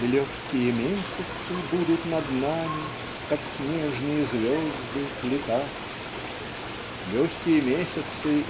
И легкие месяцы будут над нами Как снежные звезды летать. Легкие месяцы